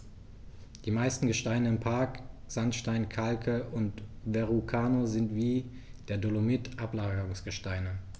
Die meisten Gesteine im Park – Sandsteine, Kalke und Verrucano – sind wie der Dolomit Ablagerungsgesteine.